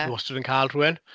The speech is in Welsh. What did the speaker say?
Dwi wastad yn cael rhywun.